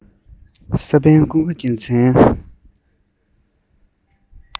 ས པན ཀུན དགའ རྒྱལ མཚན